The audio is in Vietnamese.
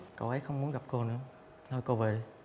cậu ấy không muốn gặp cô nữa thôi cô về đi